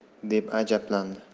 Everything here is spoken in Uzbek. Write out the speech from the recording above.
deb ajablandi